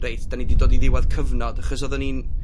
reit, 'dan ni 'di dod i ddiwadd cyfnod. Achos oddwn ni'n...